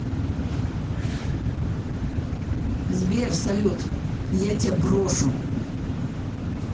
сбер салют я тебя брошу